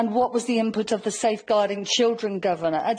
And what was the input of the Safeguarding Children Governor?